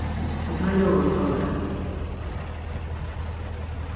og teir ljóðaðu soleiðis